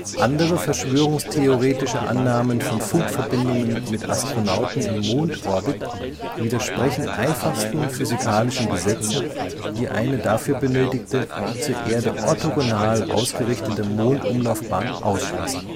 Andere verschwörungstheoretische Annahmen von Funkverbindungen mit Astronauten im Mondorbit widersprechen einfachsten physikalischen Gesetzen, die eine dafür benötigte, zur Erde orthogonal ausgerichtete Mondumlaufbahn ausschließen